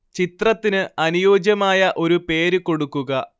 ചിത്രത്തിന് അനുയോജ്യമായ ഒരു പേര് കൊടുക്കുക